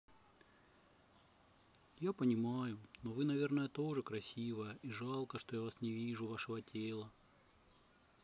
я понимаю но вы наверное тоже красивое и жалко что я вас не вижу вашего тела